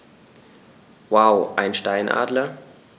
Wow! Einen Steinadler?